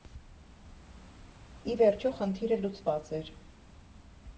Ի վերջո, խնդիրը լուծված էր.